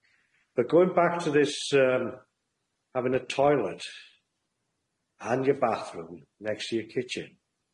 But going back to this erm having a toilet and your bathroom next to your kitchen,